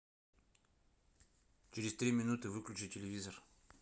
через три минуты выключи телевизор